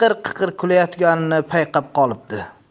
qiqir kulayotganini payqab qolibdi